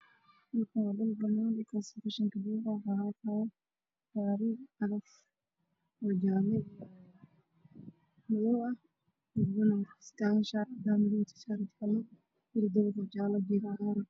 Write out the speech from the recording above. Meeshaan waa waddo waxaana xaqiiso cadcadaf ee cagafta galkeedu waa geed ayaa meesha ku yaallay mooto